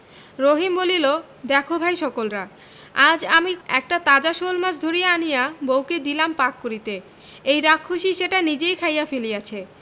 রহিম বলিল দেখ ভাই সকলরা আজ আমি একটা তাজা শোলমাছ ধরিয়া আনিয়া বউকে দিলাম পাক করিতে এই রাক্ষসী সেটা নিজেই খাইয়া ফেলিয়াছে